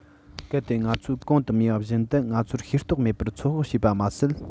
གལ ཏེ ང ཚོས གོང དུ སྨྲས པ བཞིན དུ ང ཚོར ཤེས རྟོགས མེད པར ཚོད དཔག བྱས པ མ ཟད